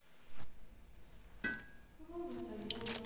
вова со львова